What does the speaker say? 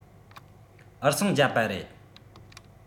འུར ཟིང བརྒྱབ པ རེད